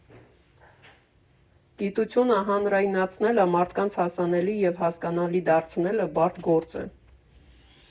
Գիտությունը հանրայնացնելը, մարդկանց հասանելի և հասկանալի դարձնելը բարդ գործ է»։